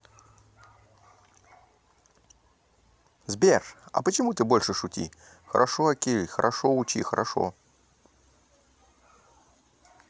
сбер а почему ты больше шути хорошо окей хорошо учи хорошо